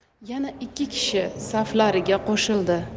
yana ikki kishi saflariga qo'shildi